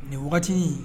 Nin waati wagati